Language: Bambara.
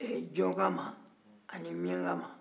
ɛ jɔka ma ani miɲanka ma